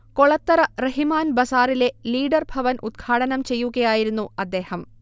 കൊളത്തറ റഹിമാൻ ബസാറിലെ ലീഡർ ഭവൻ ഉദ്ഘാടനം ചെയ്യുകയായിരുന്നു അദ്ദേഹം